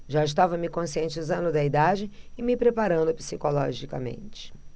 já estava me conscientizando da idade e me preparando psicologicamente